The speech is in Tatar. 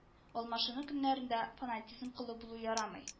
Алмашыну көннәрендә фанатизм колы булу ярамый